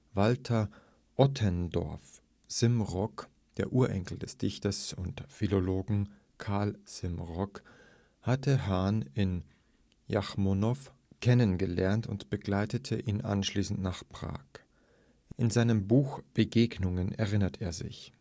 Walther Ottendorff-Simrock, der Urenkel des Dichters und Philologen Karl Simrock, hatte Hahn in Jáchymov kennengelernt und begleitete ihn anschließend nach Prag. In seinem Buch Begegnungen erinnert er sich